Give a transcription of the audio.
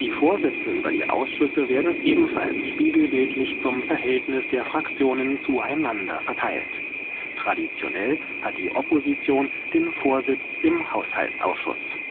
Vorsitze über die Ausschüsse werden ebenfalls spiegelbildlich zum Verhältnis der Fraktionen zueinander verteilt. Traditionell hat die Opposition den Vorsitz im Haushaltsausschuss